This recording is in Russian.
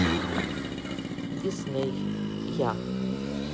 дисней я